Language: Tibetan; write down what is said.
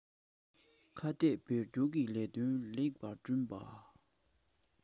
ཁ གཏད བོད སྐྱོར གྱི ལས དོན ལེགས པར སྒྲུབ པར